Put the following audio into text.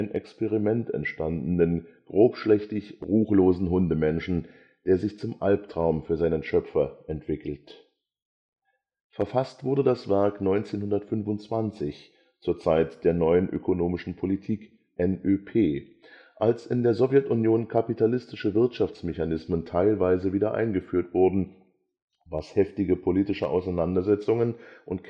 Experiment entstandenen grobschlächtig-ruchlosen „ Hundemenschen “, der sich zum Alptraum für seinen Schöpfer entwickelt. Verfasst wurde das Werk 1925, zur Zeit der Neuen Ökonomischen Politik (NÖP), als in der Sowjetunion kapitalistische Wirtschaftsmechanismen teilweise wieder eingeführt wurden, was heftige politische Auseinandersetzungen und